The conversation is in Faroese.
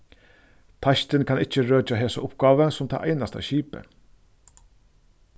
teistin kann ikki røkja hesa uppgávu sum tað einasta skipið